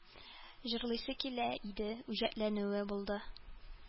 Җырлыйсы килә иде, үҗәтләнүе булды